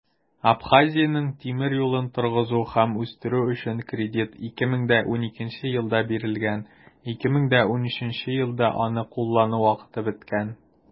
Абхазиянең тимер юлын торгызу һәм үстерү өчен кредит 2012 елда бирелгән, 2013 елда аны куллану вакыты беткән.